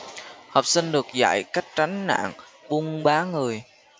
học sinh được dạy cách tránh nạn buôn bán người